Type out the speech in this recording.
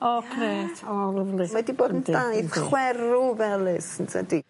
O grêt o lyfli. Mae 'di bod yn daith chwerw felys yntydi?